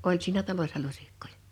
oli siinä talossa lusikoita